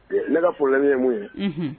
Ne ka forolai ye mun ye